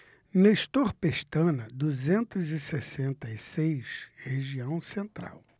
nestor pestana duzentos e sessenta e seis região central